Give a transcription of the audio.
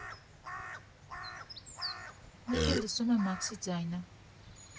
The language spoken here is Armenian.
Մեկ էլ լսում եմ Մաքսի ձայնը.